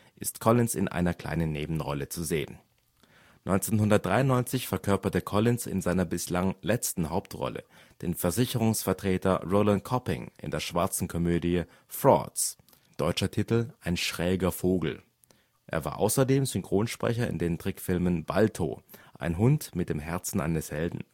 ist Collins in einer kleinen Nebenrolle zu sehen. 1993 verkörperte Collins in seiner bislang letzten Hauptrolle den Versicherungsvertreter Roland Copping in der schwarzen Komödie Frauds (deutscher Titel: Ein schräger Vogel). Er war außerdem Synchronsprecher in den Trickfilmen Balto – Ein Hund mit dem Herzen eines Helden